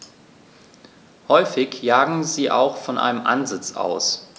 Häufig jagen sie auch von einem Ansitz aus.